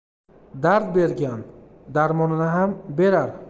dard bergan darmonini ham berar